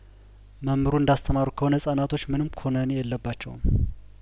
መምሩ እንዳስ ተማሩት ከሆነ ህጻናቶችምንም ኩነኔ የለባቸውም